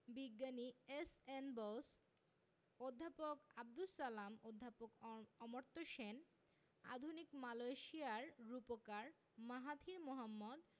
বিজ্ঞানী এস.এন বোস অধ্যাপক আবদুস সালাম অধ্যাপক অরম অমর্ত্য সেন আধুনিক মালয়েশিয়ার রূপকার মাহাথির মোহাম্মদ